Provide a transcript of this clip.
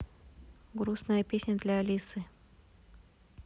грустная песня для алисы